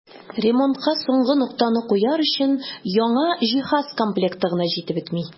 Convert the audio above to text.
Ремонтка соңгы ноктаны куяр өчен яңа җиһаз комплекты гына җитеп бетми.